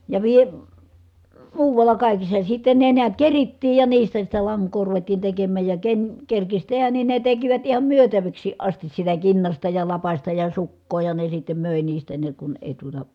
ja - muualla kaikissa sitten ne näet kerittiin ja niistä sitten lankaa ruvettiin tekemään ja ken kerkisi tehdä niin ne tekivät ihan myytäviksikin asti sitä kinnasta ja lapasta ja sukkaa ja ne sitten möi niistä ne kun ei tuota